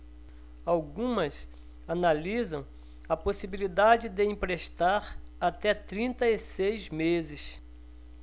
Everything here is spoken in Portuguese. algumas analisam a possibilidade de emprestar até trinta e seis meses